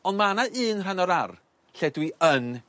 On' ma' 'na un rhan o'r ar' lle dwi yn